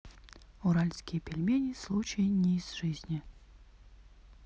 уральские пельмени случай не из жизни